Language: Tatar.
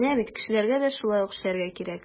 Менә бит кешеләргә дә шулай ук эшләргә кирәк.